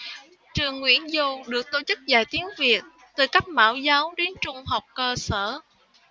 trường nguyễn du được tổ chức dạy tiếng việt từ cấp mẫu giáo đến trung học cơ sở